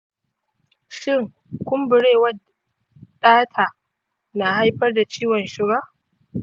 shin kumburewa ɗata na haifar ciwon suga?